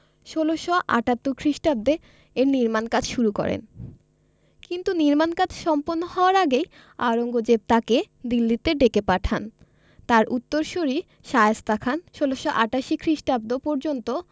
১৬৭৮ খ্রিস্টাব্দে এর নির্মাণ কাজ শুরু করেন কিন্তু নির্মাণ কাজ সম্পন্ন হওয়ার আগেই আওরঙ্গজেব তাঁকে দিল্লিতে ডেকে পাঠান তাঁর উত্তরসূরি শায়েস্তা খান ১৬৮৮ খ্রিস্টাব্দ পর্যন্ত